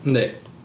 Yndi.